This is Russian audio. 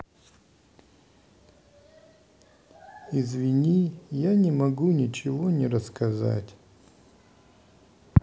извини я не могу ничего не рассказать